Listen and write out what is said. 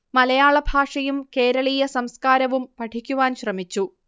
മലയാള ഭാഷയും കേരളീയ സംസ്കാരവും പഠിക്കുവാൻ ശ്രമിച്ചു